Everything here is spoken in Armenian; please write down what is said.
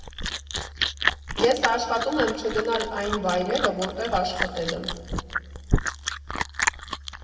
Ես աշխատում եմ չգնալ այն վայրերը, որտեղ աշխատել եմ։